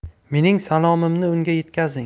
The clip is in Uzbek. mening salomimni unga yetkazing